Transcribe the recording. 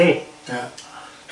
Ia